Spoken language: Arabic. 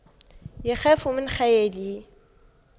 يخاف من خياله